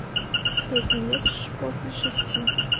песня ешь после шести